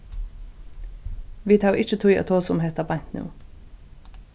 vit hava ikki tíð at tosa um hetta beint nú